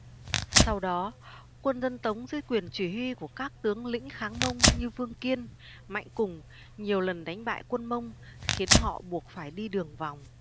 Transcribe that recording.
sau đó quân dân tống dưới quyền chỉ huy của các tướng lĩnh kháng mông như vương kiên mạnh củng nhiều lần đánh bại quân mông khiến họ buộc phải đi đường vòng